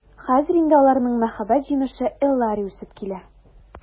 Хәзер инде аларның мәхәббәт җимеше Эллари үсеп килә.